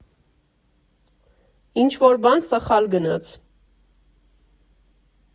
Ինչ֊որ բան սխալ գնաց։